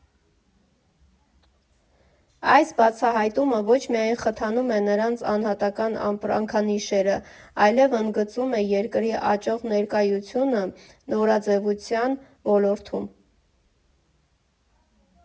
Այս բացահայտումը ոչ միայն խթանում է նրանց անհատական ապրանքանիշերը, այլև ընդգծում է երկրի աճող ներկայությունը նորաձևության ոլորտում։